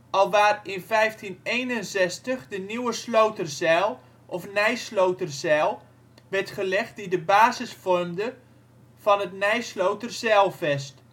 alwaar in 1561 de Nieuwe Sloterzijl (of Nijsloterzijl) werd gelegd die de basis vormde van het Nijsloterzijlvest